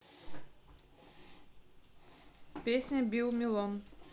песня bill мелон